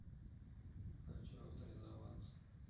хочу авторизоваться